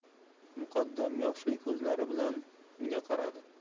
muqaddam yoshli ko'zlari bilan unga qaradi